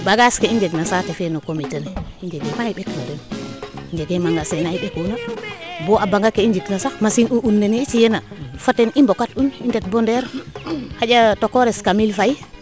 bagage ke i njeg na saate fee mo comité ne i njege ma i ɓekna den i njege magazin na i ɓekuuna bo a banga ke i njikna sax machine u un nene i ci yeena fo ten i mbokat un ndet bo ndeer xanja tokores Kamil Faye